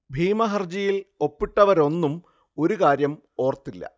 ഭീമ ഹർജിയിൽ ഒപ്പിട്ടവരൊന്നും ഒരു കാര്യം ഓര്‍ത്തില്ല